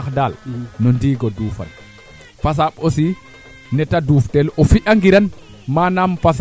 axa kay a naanga ata in jafe jafe ana ata in jafe jafe